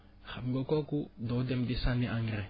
xam nga kooku doo dem di sànni engrais